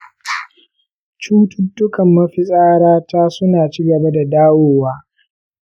cututtukan mafitsara ta su na cigaba da dawowa.